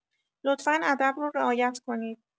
لطفا ادب رو رعایت کنید